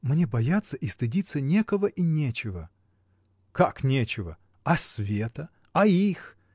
— Мне бояться и стыдиться некого и нечего! — Как нечего, а света, а их!